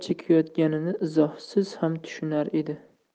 chekayotganini izohsiz ham tushunar edi